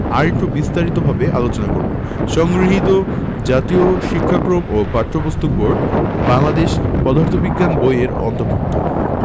আরেকটু বিস্তারিতভাবে আলোচনা করব সংগৃহীত জাতীয় শিক্ষাক্রম ও পাঠ্যপুস্তক বোর্ড বাংলাদেশ পদার্থ বিজ্ঞান বই এর অন্তর্ভুক্ত